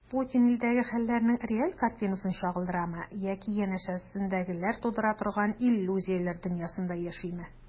Путин илдәге хәлләрнең реаль картинасын чагылдырамы яки янәшәсендәгеләр тудыра торган иллюзияләр дөньясында яшиме?